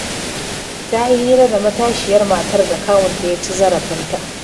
Ta yi hira da matashiyar matar da kawunta ya ci zarafinta.